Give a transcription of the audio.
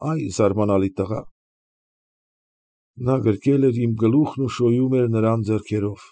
Այ զարմանալի տղա։ Նա գրկել էր իմ գլուխն ու շոյում էր նրան ձեռքերով։